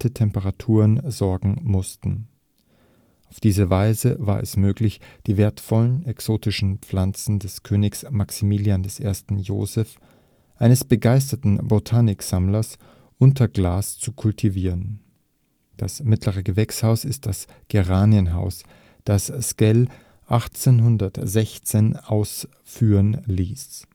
Temperaturen sorgen mussten. Auf diese Weise war es möglich, die wertvollen exotischen Pflanzen des Königs Maximilian I. Joseph, eines begeisterten Botaniksammlers, unter Glas zu kultivieren. Das mittlere Gewächshaus ist das Geranienhaus, das Sckell 1816 ausführen ließ